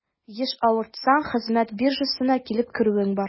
Еш авырсаң, хезмәт биржасына килеп керүең бар.